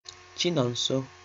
Chinonso